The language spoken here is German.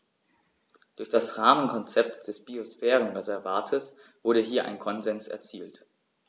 Durch das Rahmenkonzept des Biosphärenreservates wurde hier ein Konsens erzielt.